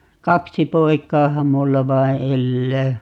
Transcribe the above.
kaksi poikaahan minulla vain elää